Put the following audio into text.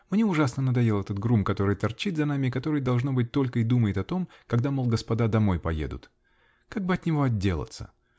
-- Мне ужасно надоел этот грум, который торчит за нами и который, должно быть, только и думает о том, когда, мол, господа домой поедут? Как бы от него отделаться?